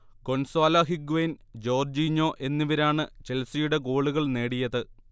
Gonzalo Higuain, Jorginho എന്നിവരാണ് ചെൽസിയുടെ ഗോളുകൾ നേടിയത്